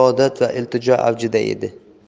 ibodat va iltijo avjida edi